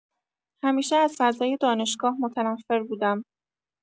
همیشه از فضای دانشگاه متنفر بودم.